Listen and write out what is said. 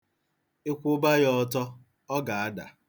Ị kwụba ya ọtọ, ọ ga-ada.